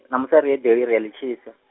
ṋamusi ari edeḽi ri ali tshisa.